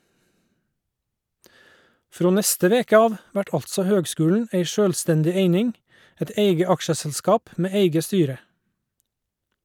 Frå neste veke av vert altså høgskulen ei sjølvstendig eining, eit eige aksjeselskap med eige styre.